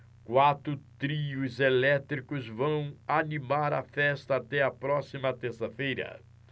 quatro trios elétricos vão animar a festa até a próxima terça-feira